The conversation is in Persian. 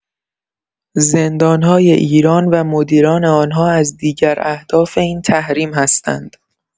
زندان‌های ایران و مدیران آنها از دیگر اهداف این تحریم هستند.